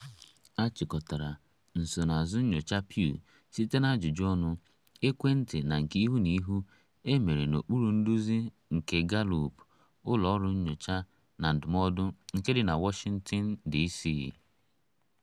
A chịkọtara nsonaazụ nyocha Pew site na ajụjụ ọnụ ekwentị na nke ihu na ihu emere n'okpuru nduzi nke Gallup — ụlọ ọrụ nyocha na ndụmọdụ nke dị na Washington, DC.